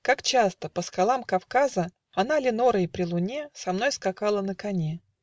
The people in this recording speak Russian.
Как часто по скалам Кавказа Она Ленорой, при луне, Со мной скакала на коне!